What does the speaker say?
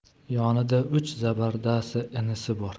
yonida uch zabardast inisi bor